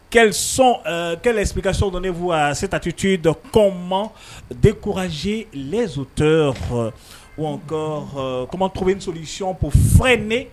Kɛlɛ se ka so dɔn ne fɔ a se taati tu dɔ kɔ ma de kosi so tɛ kuma to soc ko fɔ ye ne